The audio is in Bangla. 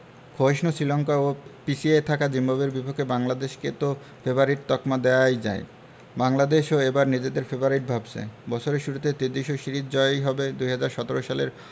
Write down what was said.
ক্ষয়িষ্ণু শ্রীলঙ্কা ও পিছিয়ে থাকা জিম্বাবুয়ের বিপক্ষে বাংলাদেশকে তো ফেবারিট তকমা দেওয়াই যায় বাংলাদেশও এবার নিজেদের ফেবারিট ভাবছে বছরের শুরুতে ত্রিদেশীয় সিরিজ জয়ই হবে ২০১৭ সালের